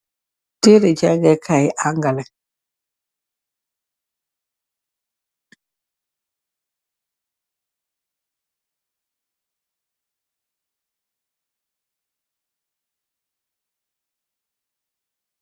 Tereh jangeh kai angale.